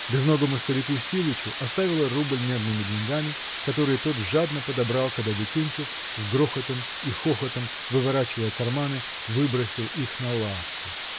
Безногому старику Силычу оставила рубль медными деньгами, которые тот жадно подобрал, когда Викентьев, с грохотом и хохотом, выворачивая карманы, выбросил их на лавку.